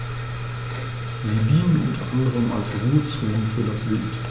Sie dienen unter anderem als Ruhezonen für das Wild.